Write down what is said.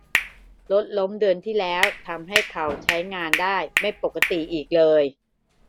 รถล้มเดือนที่แล้วทำให้เข่าใช้งานได้ไม่ปกติอีกเลย